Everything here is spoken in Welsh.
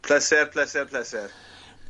Pleser pleser pleser.